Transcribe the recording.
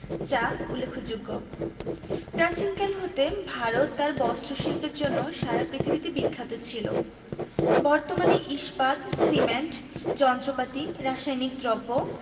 চা উল্লেখযোগ্যপ্রাচীনকাল হতে ভারত তার বস্ত্রশিল্পের জন্য সারা পৃথিবীতে বিখ্যাত ছিল বর্তমানে ইস্পাত সিমেন্ট যন্ত্রপাতি রাসায়নিক দ্রব্য